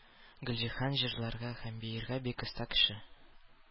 Гөлҗиһан җырларга һәм биергә бик оста кеше.